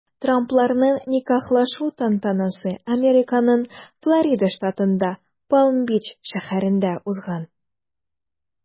Трампларның никахлашу тантанасы Американың Флорида штатында Палм-Бич шәһәрендә узган.